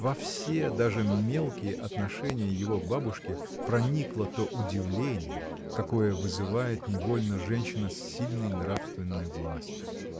Во все, даже мелкие, отношения его к бабушке проникло то удивление, какое вызывает невольно женщина с сильной нравственной властью.